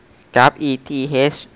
กราฟอีทีเฮช